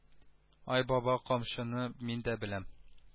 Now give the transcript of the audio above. Айбаба камчыны мин дә беләм